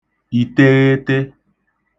ìteghetē